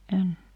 en